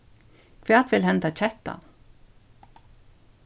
hvat vil hendan kettan